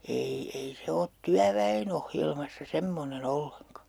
ei ei se ole työväen ohjelmassa semmoinen ollenkaan